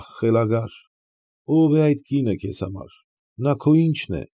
Ահ, խելագար։ Ո՞վ է այդ կինը քեզ համար, քո ի՞նչն է։